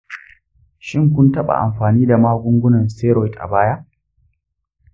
shin kun taɓa amfani da magungunan steroids a baya?